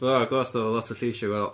Mae ghost 'ma efo lot o lleisiau gwahanol!